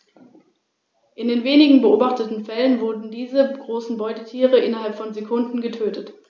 Zudem finden sich viele lateinische Lehnwörter in den germanischen und den slawischen Sprachen.